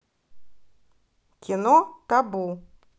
кино табу